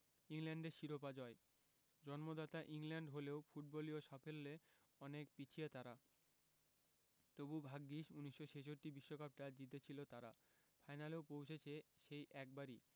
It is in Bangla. ইংল্যান্ডের শিরোপা জয় জন্মদাতা ইংল্যান্ড হলেও ফুটবলীয় সাফল্যে অনেক পিছিয়ে তারা তবু ভাগ্যিস ১৯৬৬ বিশ্বকাপটা জিতেছিল তারা ফাইনালেও পৌঁছেছে সেই একবারই